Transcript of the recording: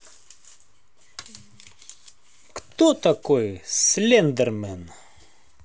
кто такой слендермен